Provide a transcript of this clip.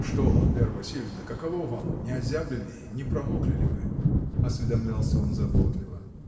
— Что, Вера Васильевна, каково вам: не озябли ли, не промокли ли вы? — осведомлялся он заботливо.